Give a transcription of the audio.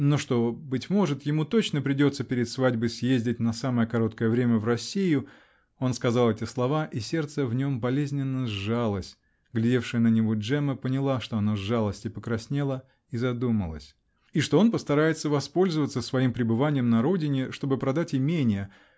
но что, быть может, ему точно придется перед свадьбой съездить на самое короткое время в Россию (он сказал эти слова -- и сердце в нем болезненно сжалось, глядевшая на него Джемма поняла, что оно сжалось, и покраснела и задумалась) -- и что он постарается воспользоваться своим пребыванием на родине, чтобы продать имение.